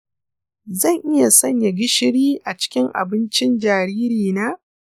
zan iya sanya gishiri a cikin abincin jaririna?